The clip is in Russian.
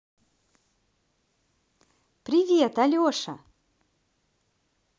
привет алеша